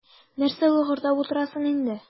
Нәрсә лыгырдап утырасың инде.